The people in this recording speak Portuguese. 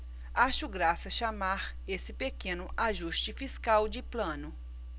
acho graça chamar esse pequeno ajuste fiscal de plano